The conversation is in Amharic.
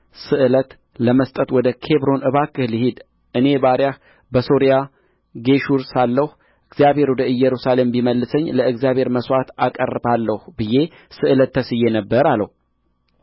ስእለት ለመስጠት ወደ ኬብሮን እባክህ ልሂድ እኔ ባሪያህ በሶርያ ጌሹር ሳለሁ እግዚአብሔር ወደ ኢየሩሳሌም ቢመልሰኝ ለእግዚአብሔር መሥዋዕት አቀርባለሁ ብዬ ስእለት ተስዬ ነበር አለው